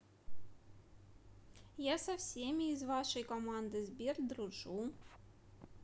я со всеми из вашей команды сбер дружу